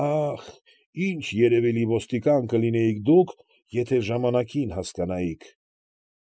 Ախ, ի՛նչ երևելի ոստիկան կլինեիք դուք, եթե ժամանակին հասկանայիք։